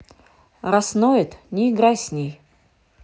раз ноет не играйся с ней